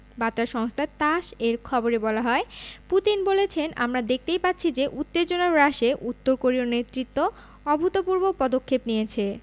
বার্তা সংস্থা তাস এর খবরে বলা হয় পুতিন বলেছেন আমরা দেখতেই পাচ্ছি যে উত্তেজনা হ্রাসে উত্তর কোরীয় নেতৃত্ব অভূতপূর্ণ পদক্ষেপ নিয়েছে